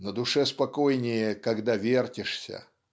"На душе спокойнее, когда вертишься".